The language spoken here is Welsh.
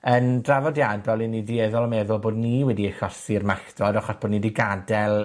yn draddodiadol 'yn ni dueddol o meddwl bod ni wedi achosi'r malltod achos bo' ni 'di gadel